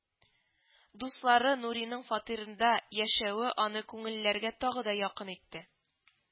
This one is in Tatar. Дуслары нуриның фатирында яшәүе аны күңелләргә тагы да якын итте